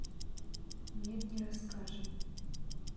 нет не расскажем